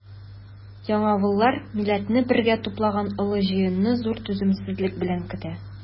Яңавыллар милләтне бергә туплаган олы җыенны зур түземсезлек белән көтә.